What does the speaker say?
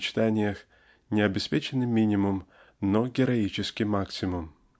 в мечтаниях) не обеспеченный минимум но героический максимум.